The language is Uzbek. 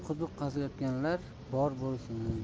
quduq qaziyotganlar bor bo'lsin